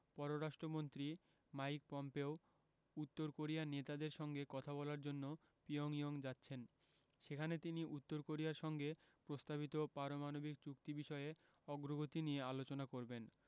পররাষ্ট্রমন্ত্রী Mike Pompeo উত্তর কোরিয়ার নেতাদের সঙ্গে কথা বলার জন্য পিয়ংইয়ং যাচ্ছেন সেখানে তিনি উত্তর কোরিয়ার সঙ্গে প্রস্তাবিত পারমাণবিক চুক্তি বিষয়ে অগ্রগতি নিয়ে আলোচনা করবেন